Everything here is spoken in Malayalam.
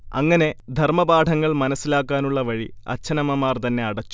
അങ്ങനെ ധർമപാഠങ്ങൾ മനസ്സിലാക്കാനുള്ള വഴി അച്ഛനമ്മമാർതന്നെ അടച്ചു